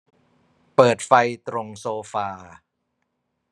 เปิดไฟตรงโซฟา